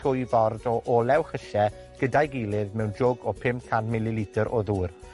llwy ford o olew llysie gyda'i gilydd mewn jwg o pum can mililitr o dŵr.